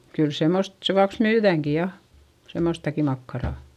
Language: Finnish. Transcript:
kyllä semmoista sen vuoksi myydäänkin ja semmoistakin makkaraa